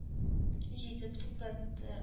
Җитеп туктатты